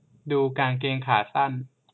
ดูกางเกงขาสั้น